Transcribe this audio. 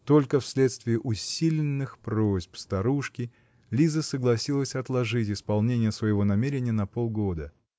Только вследствие усиленных просьб старушки Лиза согласилась отложить исполнение своего намерения на полгода